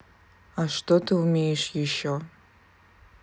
а что ты умеешь еще